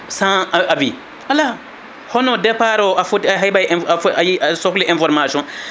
sans avis ala hono départ o foti a heɓay a sohli information